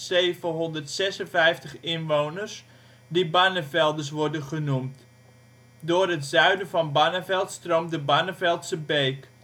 29.756 inwoners, die Barnevelders worden genoemd. Door het zuiden van Barneveld stroomt de Barneveldse Beek